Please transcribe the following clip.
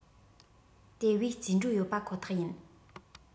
དེ བས རྩིས འགྲོ ཡོད པ ཁོ ཐག ཡིན